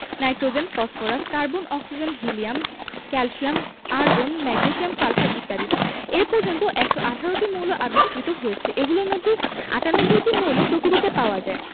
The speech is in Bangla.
nitrogen phosphorus carbon oxygen helium calcium argon magnesium sulphur ইত্যাদি এ পর্যন্ত ১১৮টি মৌল আবিষ্কৃত হয়েছে এগুলোর মধ্যে ৯৮টি মৌল প্রকৃতিতে পাওয়া যায়